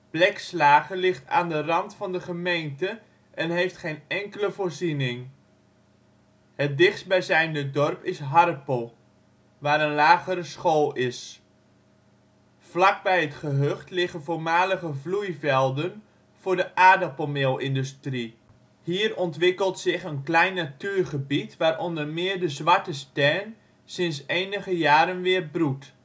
Blekslage ligt aan de rand van de gemeente en heeft geen enkele voorziening. Het dichtstbijzijnde dorp is Harpel, waar een lagere school is. Vlak bij het gehucht liggen voormalige vloeivelden voor de aardappelmeelindustie. Hier ontwikkelt zich een klein natuurgebied waar onder meer de zwarte stern sinds enige jaren weer broedt